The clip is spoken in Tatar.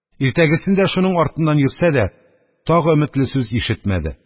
Иртәгесен дә шуның артыннан йөрсә дә, тагы өметле сүз ишетмәде.